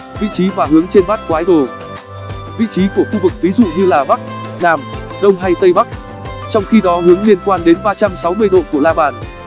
vị trí và hướng trên bát quái đồ vị trí của khu vực ví dụ như là bắc nam đông hay tây bắc trong khi đó hướng liên quan đến độ của la bàn